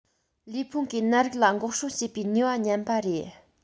ལུས ཕུང གིས ནད རིགས ལ འགོག སྲུང བྱེད པའི ནུས པ ཉམས པ རེད